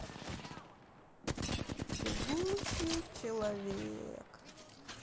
бегущий человек